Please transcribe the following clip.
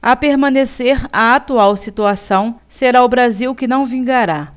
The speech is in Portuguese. a permanecer a atual situação será o brasil que não vingará